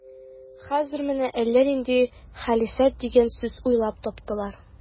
Хәзер менә әллә нинди хәлифәт дигән сүз уйлап таптылар.